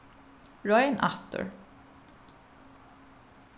royn aftur